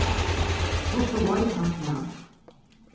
hvussu veit hann tað